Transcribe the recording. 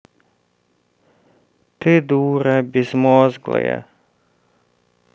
ты дура безмозглая